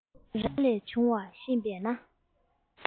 ར ལས བྱུང བ ཤེས པས ན